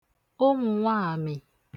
ụmụ̀ nwaàmị̀